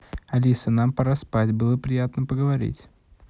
алиса нам пора спать было приятно поговорить